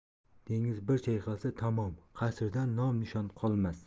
dengiz bir chayqalsa tamom qasrdan nom nishon qolmas